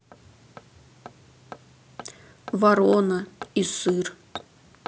ворона и сыр